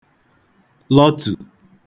lọtù